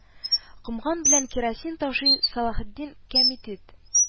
Комган белән кирасин ташый Салахетдин «Кәмитет»